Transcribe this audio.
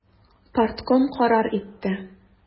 Партком карар итте.